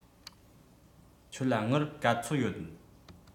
ཁྱོད ལ དངུལ ག ཚོད ཡོད